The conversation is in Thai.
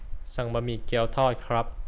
สั่งบะหมี่เกี๋ยวทอดครับ